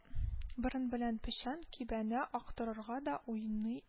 Борын белән печән кибәне актарырга да уйный